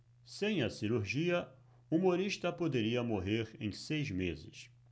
sem a cirurgia humorista poderia morrer em seis meses